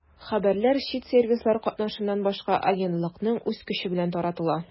Хәбәрләр чит сервислар катнашыннан башка агентлыкның үз көче белән таратыла.